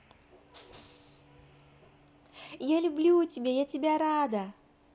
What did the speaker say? я люблю тебя я тебя рада